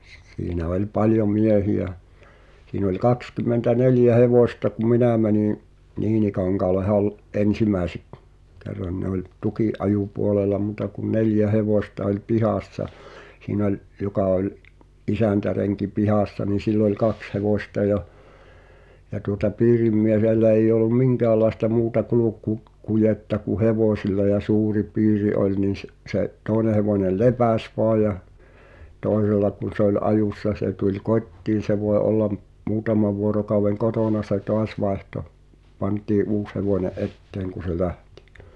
-- siinä oli paljon miehiä siinä oli kaksikymmentäneljä hevosta kun minä menin Niinikankaalle - ensimmäisen kerran ne oli tukinajopuolella muuta kuin neljä hevosta oli pihassa siinä oli joka oli isäntärenki pihassa niin sillä oli kaksi hevosta ja ja tuota piirimiehellä ei ollut minkäänlaista muuta - kulkukujetta kuin hevosilla ja suuri piiri oli niin - se toinen hevonen lepäsi vain ja toisella kun se oli ajossa se tuli kotiin se voi olla muutaman vuorokauden kotona se taas vaihtoi pantiin uusi hevonen eteen kun se lähti